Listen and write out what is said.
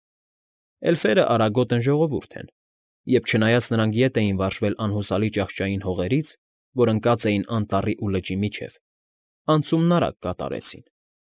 Էլֆերը արագոտն ժողովուրդ են, և չնայած նրանք ետ էին վարժվել անհուսալի ճահճային հողերից, որ ընկած էին անտառի ու լճի միջև, անցումն արագ կատարեցին։